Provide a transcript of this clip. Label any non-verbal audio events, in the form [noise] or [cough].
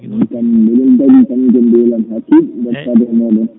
min calminii ɓe * [smacks lips] *